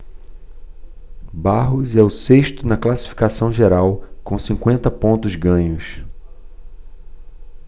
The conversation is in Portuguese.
barros é o sexto na classificação geral com cinquenta pontos ganhos